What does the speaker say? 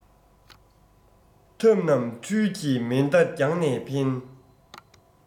ཐབས རྣམས འཕྲུལ གྱི མེ མདའ རྒྱང ནས འཕེན